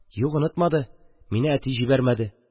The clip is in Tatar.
– юк, онытмады, мине әти җибәрмәде...